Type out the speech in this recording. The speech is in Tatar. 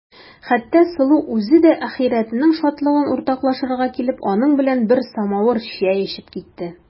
Хәтта Сылу үзе дә ахирәтенең шатлыгын уртаклашырга килеп, аның белән бер самавыр чәй эчеп китте.